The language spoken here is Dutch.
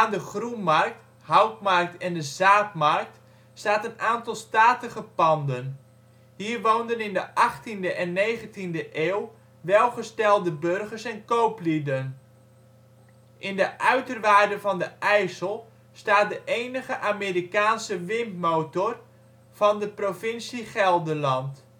de Groenmarkt, Houtmarkt en de Zaadmarkt staat een aantal statige panden. Hier woonden in de 18de en 19de eeuw welgestelde burgers en kooplieden. In de uiterwaarden van de IJssel staat de enige Amerikaanse windmotor van de provincie Gelderland